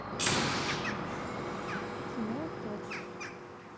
кино актер